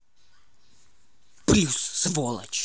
плюс сволочь